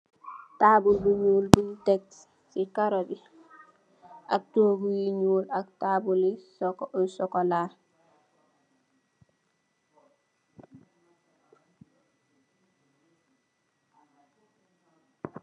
Tabull bu ñuul buñ tek ci karó bi ak tohgu yu ñuul ak tabull yu sokola.